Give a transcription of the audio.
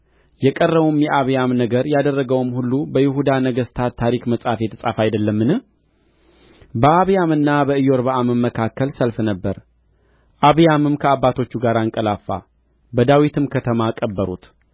የቀረውም የአብያም ነገር ያደርገውም ሁሉ በይሁዳ ነገሥታት ታሪክ መጽሐፍ የተጻፈ አይደለምን በአብያምና በኢዮርብዓምም መካከል ሰልፍ ነበረ አብያምም ከአባቶቹ ጋር አንቀላፋ በዳዊትም ከተማ ቀበሩት